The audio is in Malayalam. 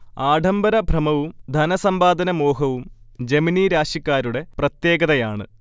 ആഡംബര ഭ്രമവും ധനസമ്പാദന മോഹവും ജമിനി രാശിക്കാരുടെ പ്രത്യേകതയാണ്